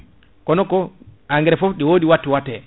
kono ko engrain foof ɗi wodi wattu watte